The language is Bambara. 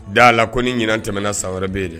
Da la ko ni ɲinan tɛmɛna san wɛrɛ bɛ yen dɛ